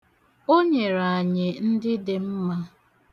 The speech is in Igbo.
O nyere anyị ndị dị mma.